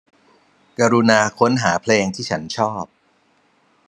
กรุณาค้นหาเพลงที่ฉันชอบ